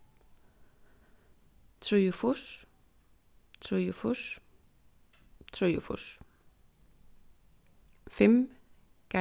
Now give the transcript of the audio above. trýogfýrs trýogfýrs trýogfýrs fimm